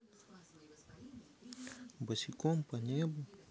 босиком по небу